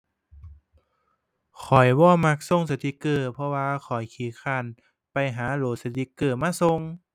ข้อยบ่มักส่งสติกเกอร์ เพราะว่าข้อยขี้คร้านไปหาโหลดสติกเกอร์มาส่ง